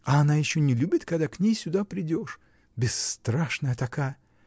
А она еще не любит, когда к ней сюда придешь. Бесстрашная такая!